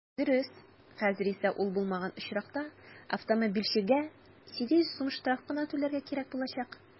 Дөрес, хәзер исә ул булмаган очракта автомобильчегә 800 сум штраф кына түләргә кирәк булачак.